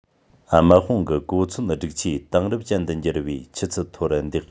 དམག དཔུང གི གོ མཚོན སྒྲིག ཆས དེང རབས ཅན དུ འགྱུར བའི ཆུ ཚད མཐོར འདེགས